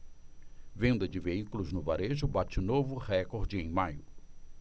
venda de veículos no varejo bate novo recorde em maio